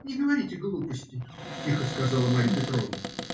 не говорите глупостей, - тихо сказала Марья Петровна.